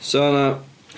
So oedd 'na...